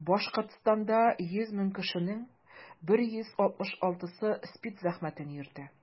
Башкортстанда 100 мең кешенең 166-сы СПИД зәхмәтен йөртә.